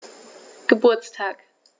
Geburtstag